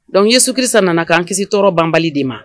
Donc yesu Kirisa nan'an kisi tɔɔrɔ banbali de ma.